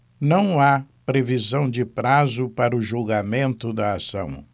não há previsão de prazo para o julgamento da ação